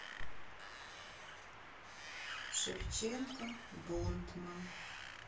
шевченко бунтман